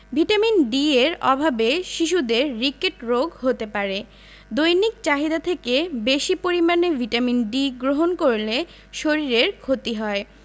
vitamin D এর অভাবে শিশুদের রিকেট রোগ হতে পারে দৈনিক চাহিদা থেকে বেশী পরিমাণে ভিটামিন D গ্রহণ করলে শরীরের ক্ষতি হয়